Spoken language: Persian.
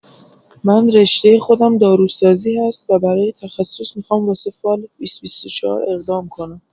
من رشته خودم داروسازی هست و برای تخصص میخوام واسه فال ۲۰۲۴ اقدام کنم